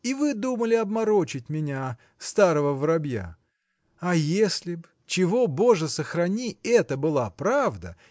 И вы думали обморочить меня, старого воробья! А если б чего боже сохрани это была правда